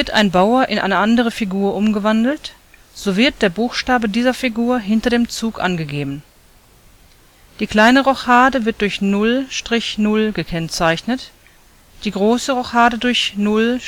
ein Bauer in eine andere Figur umgewandelt, so wird der Buchstabe dieser Figur hinter dem Zug angegeben. Die kleine Rochade wird durch „ 0 – 0 “gekennzeichnet, die große Rochade durch „ 0-0-0